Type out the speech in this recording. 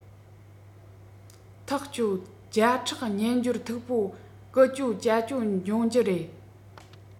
ཐག ཆོད བརྒྱ ཕྲག སྨྱན སྦྱོར མཐུག པོ ཀུ ཅོ ཅ ཅོ བྱུང རྒྱུ རེད